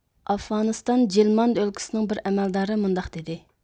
ئافغانىستان جېلماند ئۆلكىسىنىڭ بىر ئەمەلدارى مۇنداق دېدى